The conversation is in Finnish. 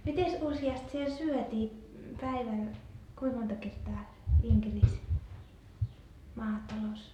mitenkäs useasti siellä syötiin päivällä kuinka monta kertaa Inkerissä maatalossa